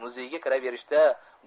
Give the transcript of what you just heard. muzeyga kiraverishda